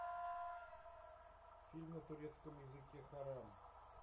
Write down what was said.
фильм на турецком языке харам